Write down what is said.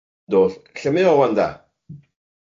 Yndw, ll- lle mae o wan 'da?